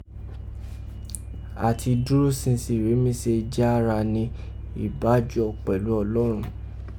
ati duro sinsin rèé se ji a gha ni ibájọ pelu ọlọrọn rin